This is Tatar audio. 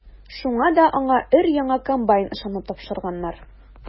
Шуңа да аңа өр-яңа комбайн ышанып тапшырганнар.